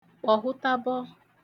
kpọ̀hụtabọ